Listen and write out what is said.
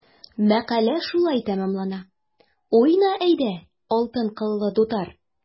Мәкалә шулай тәмамлана: “Уйна, әйдә, алтын кыллы дутар!"